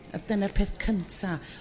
y- dyna'r peth cynta'.